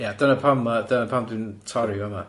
Ia dyna pam ma'... Dyna pam dw i'n torri fama.